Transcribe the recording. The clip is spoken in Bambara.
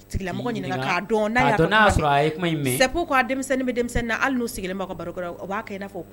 Mɔgɔa k'a denmisɛnnin bɛ denmisɛnnin na hali n'u sigilen ma ka baro o b'a i fɔ